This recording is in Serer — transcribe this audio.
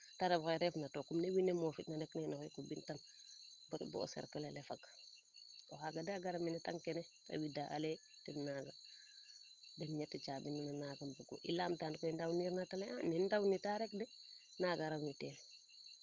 te ref oxe ref na tookum ne wiin we moofit na nene bo o cercle ole fag o xaaga daal a gara ,mene tang kene a wida a le ten naaga ñuti caabi naaga mbugu i laamtan koy ndawnir na ne de ndawnita rek naaga raw nitel